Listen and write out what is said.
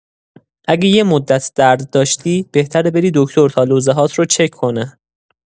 اگه یه مدت درد داشتی، بهتره بری دکتر تا لوزه‌هات رو چک کنه.